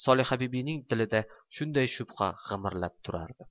solihabibining dilida shunday shubha g'imirlab turardi